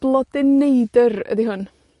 Blodyn Neidyr ydi hwn.